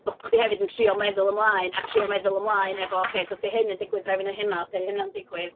Bo' chdi hefyd yn trio meddwl ymlaen, a trio meddwl ymlaen efo, "ocê, so os 'di hyn yn digwydd, rhaid fi wneud hynna, os ydi hynna'n digwydd..."